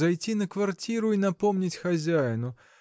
зайти на квартиру и напомнить хозяину